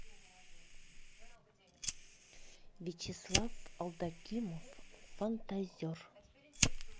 вячеслав алдакимов фантазер